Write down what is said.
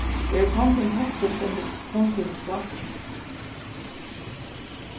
verður kongurin hóttur stendur kongurin í skáki